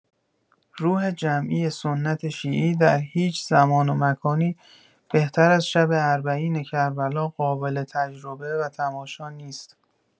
روح جمعی سنت شیعی در هیچ زمان و مکانی بهتر از شب اربعین کربلا قابل تجربه و تماشا نیست.